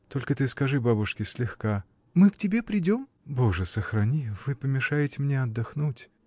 Только ты скажи бабушке — слегка. — Мы к тебе придем. — Боже сохрани! Вы помешаете мне отдохнуть.